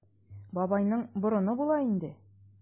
Бабайның борыны була инде.